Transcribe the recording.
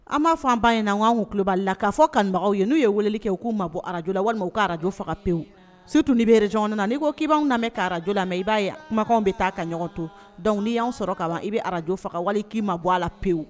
An b' fɔ ba in na an k'an ku kulubali la k'a fɔ kanubagaw ye n'u ye weleli kɛ ku ma bɔ araj la walima araj faga pewu su tun ni bɛjɔn na' ko k' anw na mɛn araj la mɛ i b' yan kumakan bɛ taa ka ɲɔgɔn to dɔnku n'i y'an sɔrɔ k ka i bɛ arajo faga wali k'i ma bɔ ala pewu